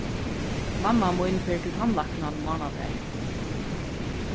mamma mín fer til tannlæknan mánadagin